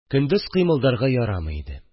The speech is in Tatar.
Көндез кыймылдарга ярамый иде